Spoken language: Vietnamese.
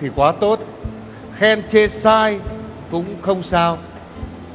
thì quá tốt khen chê sai cũng không sao